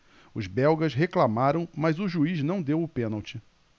os belgas reclamaram mas o juiz não deu o pênalti